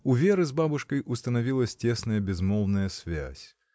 У Веры с бабушкой установилась тесная, безмолвная связь.